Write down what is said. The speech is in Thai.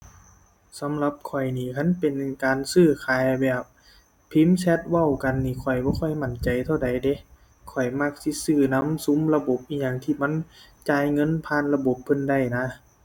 สำหรับข้อยนี้ คันเป็นการซื้อขายแบบพิมพ์แชตเว้ากันนี้ ข้อยบ่ค่อยมั่นใจเท่าใดเดะ ข้อยมักสิซื้อนำซุมระบบอิหยังที่มันจ่ายเงินผ่านระบบเพิ่นได้นะ